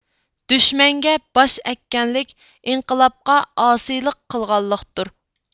دۈشمەنگە باش ئەگكەنلىك ئىنقىلابقا ئاسىيلىق قىلغانلىقتۇر